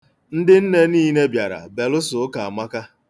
Ndị nne niile bịara, belụsọ Ụkamaka.